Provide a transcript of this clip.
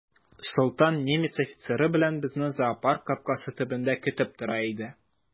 Солтан немец офицеры белән безне зоопарк капкасы төбендә көтеп тора иде.